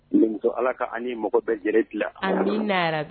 N denmuso Ala ka ani mɔgɔ bɛɛ yɛlɛ dilan. Amina ya rabi.